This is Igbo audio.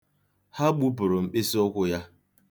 Ha gbupụrụ mkpịsịụkwụ ya.